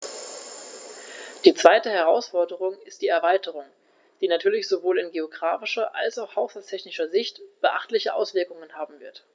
Die zweite Herausforderung ist die Erweiterung, die natürlich sowohl in geographischer als auch haushaltstechnischer Sicht beachtliche Auswirkungen haben wird.